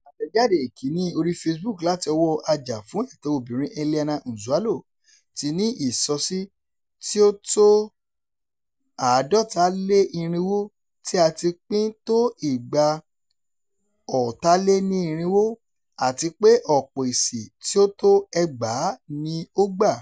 Àtẹ̀jáde ìkíni orí Facebook láti ọwọ́ ajàfúnẹ̀tọ́ obìnrin Eliana Nzualo, ti ní ìsọsí tí ó tó 450, tí a ti pín tó ìgbà 460, àti pé ọ̀pọ̀ èsì tí ó tó 2,000 ni ó gbà: